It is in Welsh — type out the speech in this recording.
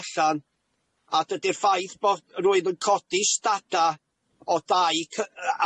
allan a dydi'r ffaith bo' rywun yn codi stada' o dai cy- yy